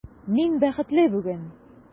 Мин бәхетле бүген!